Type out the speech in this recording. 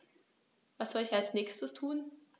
Was soll ich als Nächstes tun?